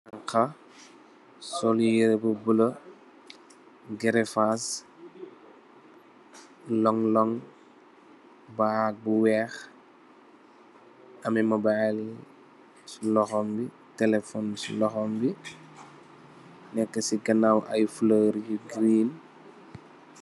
Janxa sol yirèh bu bula, gerefas, lonlon, bag bu wèèx , ameh mobile ci loxom bi telephone ci loxom bi, nekka ci ganaw ay fulor yu green.